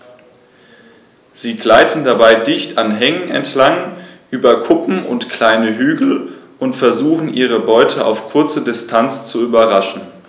Sie gleiten dabei dicht an Hängen entlang, über Kuppen und kleine Hügel und versuchen ihre Beute auf kurze Distanz zu überraschen.